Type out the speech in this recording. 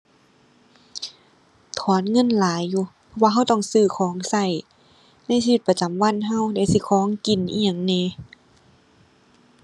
ถอนเงินหลายอยู่ เพราะว่าเราต้องซื้อของเราในชีวิตประจำวันเรา ไหนสิของกินอิหยังแหน่